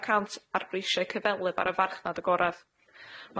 y cant ar brishiau cyfelyb ar y farchnad agorad.